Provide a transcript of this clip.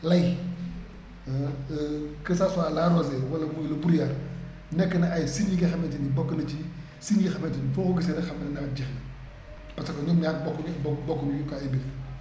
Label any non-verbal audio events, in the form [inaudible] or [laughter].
lay [hesitation] que ça soit la rosée wala muy le broullar nekk na ay signes yi nga xamante ne bokk na ci signes yi nga xamante nefoo ko gisee rekk xam ne nawet jeex na parce que :fa ñoom ñaar bokkuñu bokkuñu kii ay mbir